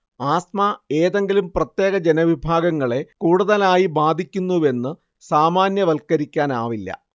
asthma ഏതെങ്കിലും പ്രത്യേക ജനവിഭാഗങ്ങളെ കൂടുതലായി ബാധിക്കുന്നുവെന്ന് സാമാന്യവൽക്കരിക്കാനാവില്ല